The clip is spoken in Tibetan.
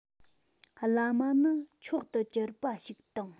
བླ མ ནི མཆོག ཏུ གྱུར པ ཞིག དང